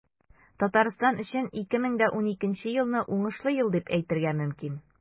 Татарстан өчен 2012 елны уңышлы ел дип әйтергә мөмкин.